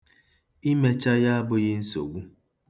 Imecha ya abụghị nsogbu.